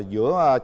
giữa